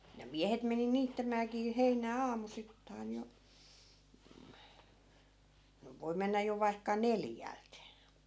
ja miehet meni niittämäänkin heinää aamusittain jo no voi mennä jo vaikka neljältä